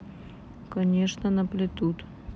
конечно наплетут